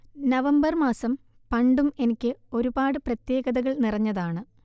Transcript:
November മാസം പണ്ടും എനിക്ക് ഒരുപാട് പ്രത്യേകതകൾ നിറഞ്ഞതാണ്